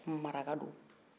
dɔnni mɔgɔ don